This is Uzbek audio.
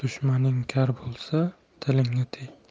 dushmaning kar bo'lsa tilingni tiy